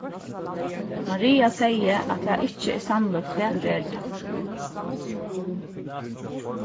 maria segði at tað ikki er sannlíkt at hon ger tað